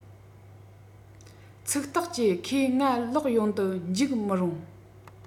ཚིག ཐག བཅད ཁོས ང ལོག ཡོང དུ འཇུག མི རུང